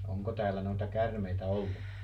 onko täällä noita käärmeitä ollut